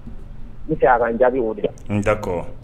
I aan jaabi o n